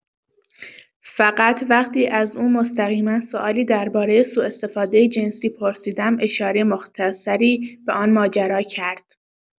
فقط وقتی از او مستقیما سوالی درباره سوءاستفاده جنسی پرسیدم، اشاره مختصری به آن ماجرا کرد.